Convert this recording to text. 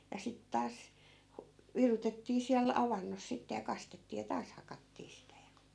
ja sitten taas - virutettiin siellä avannossa sitten ja kastettiin ja taas hakattiin sitä ja